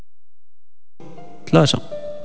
لازم